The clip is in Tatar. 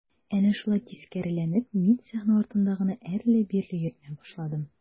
Әнә шулай тискәреләнеп мин сәхнә артында гына әрле-бирле йөренә башладым.